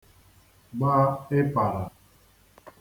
gba ịpàrà